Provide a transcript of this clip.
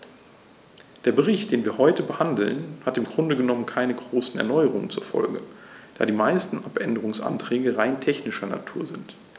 Der Bericht, den wir heute behandeln, hat im Grunde genommen keine großen Erneuerungen zur Folge, da die meisten Abänderungsanträge rein technischer Natur sind.